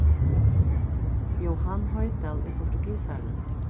johan hoydal er portugisari